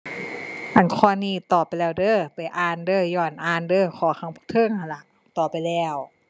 อันข้อนี้ตอบไปแล้วเด้อ ไปอ่านเด้อ ย้อนอ่านเด้อ ขอข้างเทิงหั้นล่ะ ตอบไปแล้ว